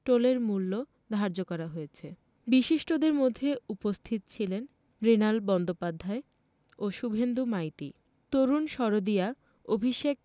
টোলের মূল্য ধার্য করা হয়েছে বিশিষ্টদের মধ্যে উপস্থিত ছিলেন মৃণাল বন্দ্যোপাধ্যায় ও শুভেন্দু মাইতি তরুণ সরোদিয়া অভিষেক